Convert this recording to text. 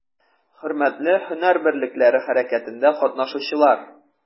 Хөрмәтле һөнәр берлекләре хәрәкәтендә катнашучылар!